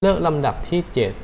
เลือกลำดับที่เจ็ด